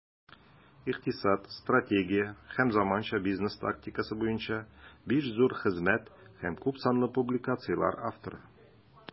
Икътисад, стратегия һәм заманча бизнес тактикасы буенча 5 зур хезмәт һәм күпсанлы публикацияләр авторы.